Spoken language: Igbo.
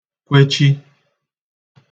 kwechi